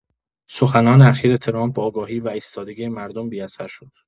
سخنان اخیر ترامپ با آگاهی و ایستادگی مردم بی‌اثر شد.